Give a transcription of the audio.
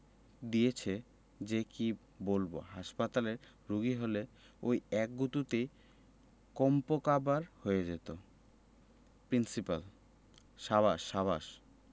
দিয়েছে যে কি বলব হাসপাতালের রোগী হলে ঐ এক গুঁতোতেই কন্মকাবার হয়ে যেত প্রিন্সিপাল সাবাস সাবাস